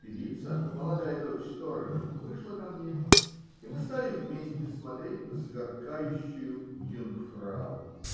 Певица -- молодая дочь сторожа -- вышла ко мне, и мы стали вместе смотреть на сверкавшую Юнгфрау.